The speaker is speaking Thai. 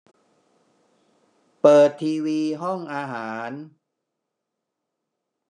เปิดทีวีห้องอาหาร